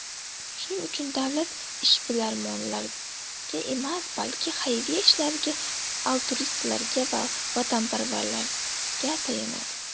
shuning uchun davlat ishbilarmonlarga emas balki xayriya ishlariga alturistlarga va vatanparvarlarga tayanadi